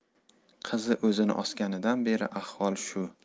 qizi o'zini osganidan beri ahvol shu